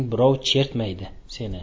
birov chertmaydi seni